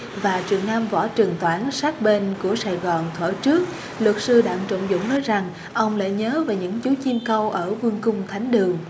và trường nam võ trường toản sát bên của sài gòn thuở trước luật sư đặng trọng dũng nói rằng ông lại nhớ về những chú chim câu ở vương cung thánh đường